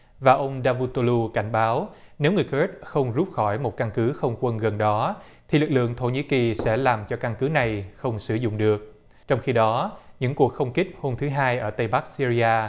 và ông đa vu tô lu cảnh báo nếu người cớt không rút khỏi một căn cứ không quân gần đó thì lực lượng thổ nhĩ kỳ sẽ làm cho căn cứ này không sử dụng được trong khi đó những cuộc không kích hôm thứ hai ở tây bắc sê ri a